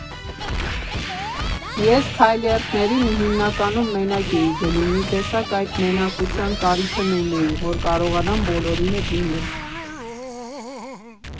Ես քայլերթներին հիմնականում մենակ էի գնում, մի տեսակ այդ մենակության կարիքն ունեի, որ կարողանամ բոլորի հետ լինել.